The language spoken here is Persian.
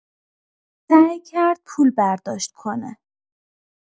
سعی کرد پول برداشت کنه.